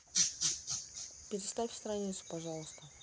переставь страницу пожалуйста